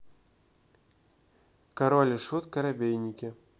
король и шут коробейники